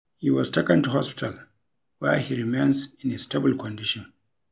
He was taken to hospital where he remains in a "stable" condition.